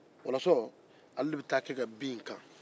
wɔlɔsɔ ale de bɛ taa kɛ ka bin in kan